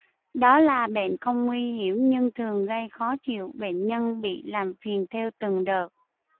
đó là bệnh không nguy hiểm nhưng thường gây khó chịu bệnh nhân bị làm phiền theo từng đợt